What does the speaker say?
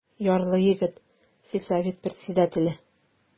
Ярлы егет, сельсовет председателе.